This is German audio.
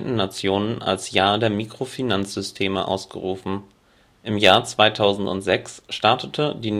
Nationen als Jahr der Mikro-Finanzsysteme ausgerufen. Im Jahr 2006 startete die